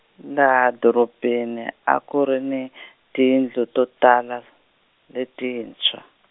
laha doropeni a ku ri ni , tindlu to tala, letintshwa .